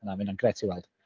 Na mae hynna'n grêt i weld.